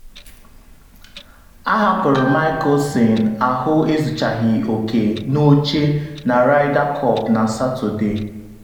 Ahapụrụ Mickelson ahụ ezuchaghị oke n’oche na Ryder Cup na Satọde